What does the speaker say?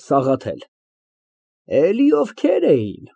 ՍԱՂԱԹԵԼ ֊ Էլի ովքե՞ր էին։